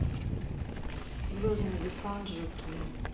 звездный десант жуки